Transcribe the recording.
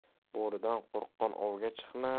bo'ridan qo'rqqan ovga chiqmas